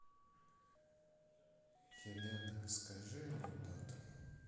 елена расскажи анекдот